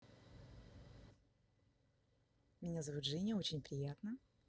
меня зовут женя очень приятно